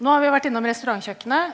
nå har vi vært innom restaurantkjøkkenet.